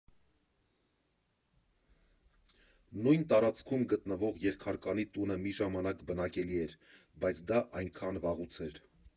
Նույն տարածքում գտնվող երկհարկանի տունը մի ժամանակ բնակելի էր, բայց դա այնքան վաղուց էր։